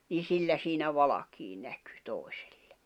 niin sillä siinä valkea näkyi toisille